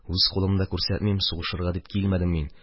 Үз кулымны да күрсәтмим – сугышырга дип килмәдем мин.